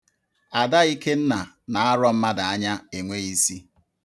Ada Ikenna na-arọ mmadụ anya enweghị isi.